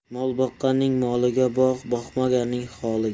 mol boqqanning moliga boq boqmaganning holiga